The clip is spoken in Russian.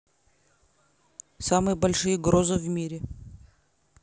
самые большие грозы в мире